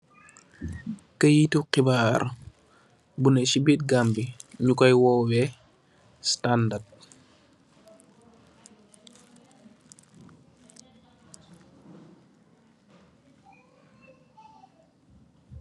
Keyti xibaar bu nex si birr Gambie nyu koi woweh standard.